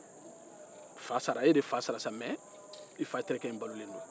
e de fa sara sa mɛ a terikɛ in balolen don